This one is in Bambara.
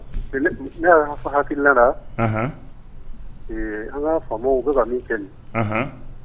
ne hakilina na, ahan, an ka faamaw bɛka ka min kɛ nin ye, anhan